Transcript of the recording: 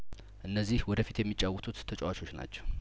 እነዚህ ወደፊት የሚጫወቱት ተጫዋቾች ናቸው